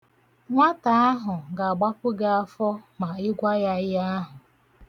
Nwata ahụ ga-agbapụ gị afọ ma ị gwa ya ihe ahụ.